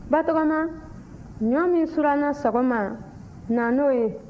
batɔgɔma ɲɔ min suranna sɔgɔma na n'o ye